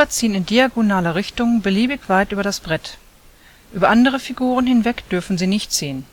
ziehen in diagonaler Richtung beliebig weit über das Brett. Über andere Figuren hinweg dürfen sie nicht ziehen